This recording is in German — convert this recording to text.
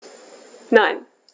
Nein.